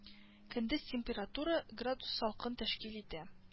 Көндез температура - градус салкын тәшкил итә